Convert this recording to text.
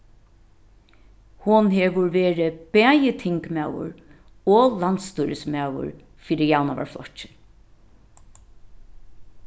hon hevur verið bæði tingmaður og landsstýrismaður fyri javnaðarflokkin